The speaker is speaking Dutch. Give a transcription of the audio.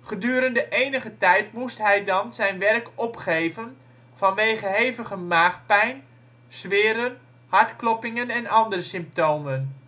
Gedurende enige tijd moest hij dan zijn werk opgeven vanwege hevige maagpijn, zweren, hartkloppingen en andere symptomen